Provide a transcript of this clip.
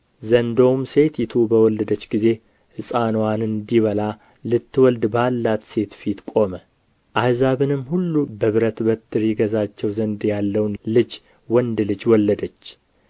ዘንዶውም ሴቲቱ በወለደች ጊዜ ሕፃንዋን እንዲበላ ልትወልድ ባላት ሴት ፊት ቆመ አሕዛብንም ሁሉ በብረት በትር ይገዛቸው ዘንድ ያለውን ልጅ ወንድ ልጅ ወለደች